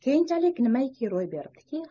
keyinchalik nimaiki ro'y beribdiki